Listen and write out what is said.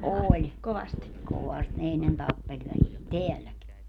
oli kovasti ne ennen tappeli väliin täälläkin